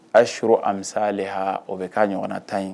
A ye sur amisaale h o bɛ k'a ɲɔgɔnna tan ye